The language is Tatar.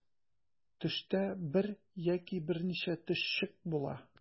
Төштә бер яки берничә төшчек була.